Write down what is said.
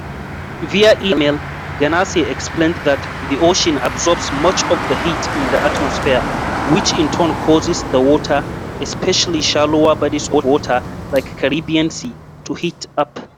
Via email, Ganase explained that the ocean absorbs much of the heat in the atmosphere, which in turn causes the water — especially shallower bodies of water, like the Caribbean Sea — to heat up.